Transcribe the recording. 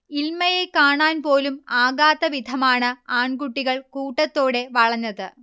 ഇൽമയെ കാണാൻപോലും ആകാത്ത വിധമാണ് ആൺകുട്ടികൾ കൂട്ടത്തോടെ വളഞ്ഞത്